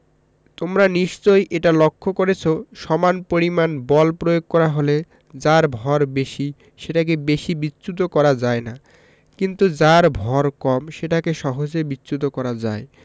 তোমরা নিশ্চয়ই এটা লক্ষ করেছ সমান পরিমাণ বল প্রয়োগ করা হলে যার ভর বেশি সেটাকে বেশি বিচ্যুত করা যায় না কিন্তু যার ভয় কম সেটাকে সহজে বিচ্যুত করা যায়